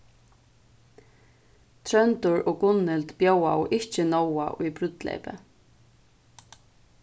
tróndur og gunnhild bjóðaðu ikki nóa í brúdleypið